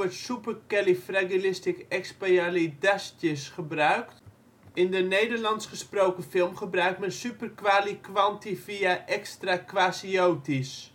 Supercalifragilisticexpialidasties gebruikt. In de Nederlands gesproken film gebruikt men Superkwalikwantiviaextraquasiotisch